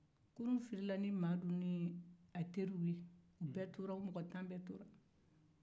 kuruen firi la ni madu n'a teriw ye u mɔgɔ tan bɛɛ tora